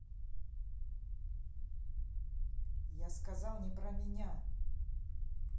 я сказал не про меня